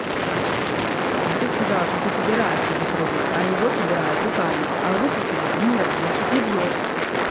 но ты сказала что ты собираешь кубик рубик а его собирает руками а рук у тебя нет значит и врешь